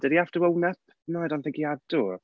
Did he have to own up? No, I don't think he had to.